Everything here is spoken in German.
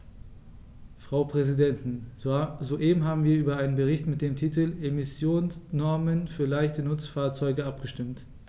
Frau Präsidentin, soeben haben wir über einen Bericht mit dem Titel "Emissionsnormen für leichte Nutzfahrzeuge" abgestimmt.